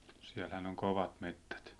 siellähän on kovat metsät